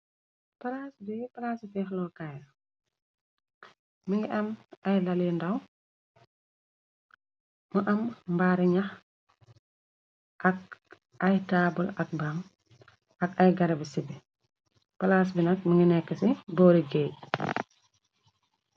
Praas biy praas bixlo kayr mi ngi am ay lali ndaw mu am mbaari ñax ak ay taabal ak baam ak ay garabi si bi palaas bi nag mi ngi nekk ci boori géey.